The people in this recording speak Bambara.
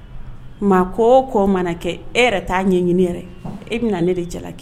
Maa ko kɔ mana kɛ e yɛrɛ' ɲɛ ɲini yɛrɛ e bɛna ne de jala kɛ